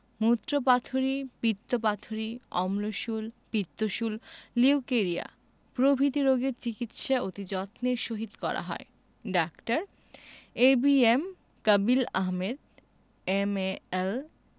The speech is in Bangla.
মুত্রপাথড়ী পিত্তপাথড়ী অম্লশূল পিত্তশূল লিউকেরিয়া প্রভৃতি রোগের চিকিৎসা অতি যত্নের সহিত করা হয় ডাঃ A B M Kabil Ahmed M A L